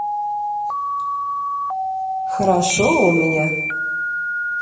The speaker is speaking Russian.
хорошо у меня